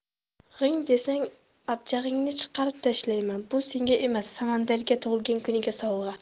g'ing desang abjag'ingni chiqarib tashlayman bu senga emas samandarga tug'ilgan kuniga sovg'a